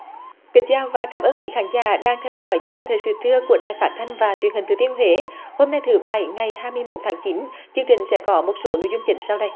kính chào và cảm ơn quý khán giả đang theo dõi chương trình thời sự trưa của đài phát thanh và truyền hình thừa thiên huế hôm nay thứ bảy ngày hai mươi mốt tháng chín chương trình sẽ có một số nội dung chính sau đây